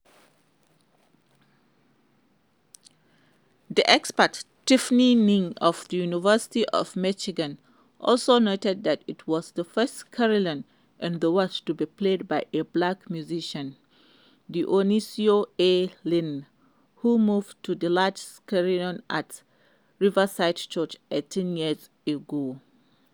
The expert, Tiffany Ng of the University of Michigan, also noted that it was the first carillon in the world to be played by a black musician, Dionisio A. Lind, who moved to the larger carillon at the Riverside Church 18 years ago.